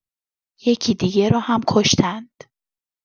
یکی دیگه رو هم کشتند!